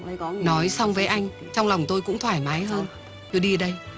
nói xong với anh trong lòng tôi cũng thoải mái hơn tôi đi đây